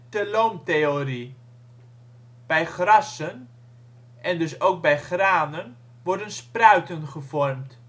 teloomtheorie. Bij grassen (en dus ook bij granen) worden spruiten gevormd